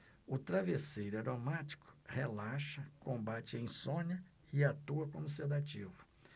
o travesseiro aromático relaxa combate a insônia e atua como sedativo